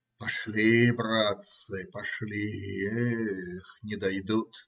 - Пошли, братцы, пошли. Эх, не дойдут!